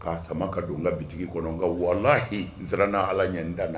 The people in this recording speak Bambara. K'a sama ka don la bi kɔnɔ nka walahi n siran n' ala ɲ dan